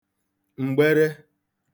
m̀gbere